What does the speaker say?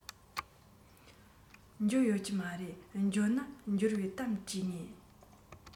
འབྱོར ཡོད ཀྱི མ རེད འབྱོར ན འབྱོར བའི གཏམ འབྲི ངེས